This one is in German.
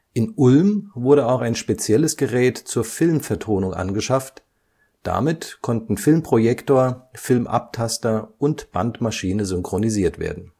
In Ulm wurde auch ein spezielles Gerät zur Film-Vertonung angeschafft, damit konnten Filmprojektor, Filmabtaster und Bandmaschine synchronisiert werden